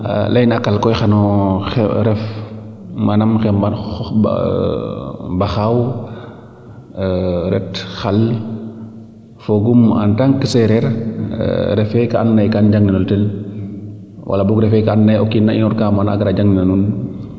leyna a qal ko xano ref manaam xamban baxaaw ret xal fogum en tant que sereer refe kaa ando naye kaa i njeng nelo ten wala boog refe kaa and naye o kiin na inoor kaa mana a gara jang nina nuun